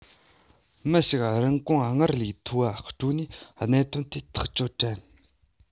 མི ཞིག རིན གོང སྔར ལས མཐོ བ སྤྲོད ནས གནད དོན དེ ཐག གཅོད དྲན